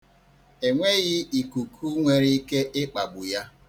E nweghị ikuku nwere ike ịkpagbu ya.